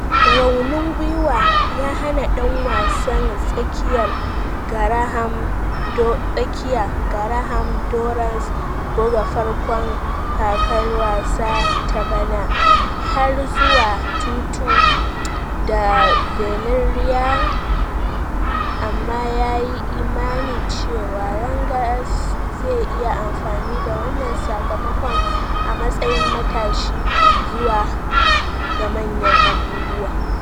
Raunin gwiwa ya hana dan wasan tsakiya Graham Dorrans buga farkon kakar wasa ta bana har zuwa 2-2 da Villarreal amma ya yi imanin cewa Rangers zai iya amfani da wannan sakamakon a matsayin matashi zuwa ga manyan abubuwa.